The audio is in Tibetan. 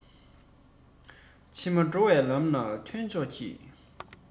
ཕྱི མ འགྲོ བའི ལམ ལ ཐོན ཆོག གྱིས